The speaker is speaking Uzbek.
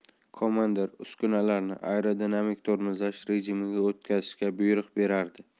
komandir uskunalarni aerodinamik tormozlash rejimiga o'tkazishga buyruq beradi